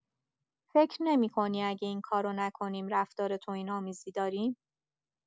فکر نمی‌کنی اگه این کارو نکنیم رفتار توهین‌آمیزی داریم؟